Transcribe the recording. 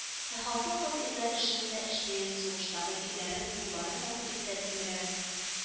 Ә хатын-кыз ирләр эшен дә эшли, сугыштагы ирләрен, улларын көтеп тә тилмерә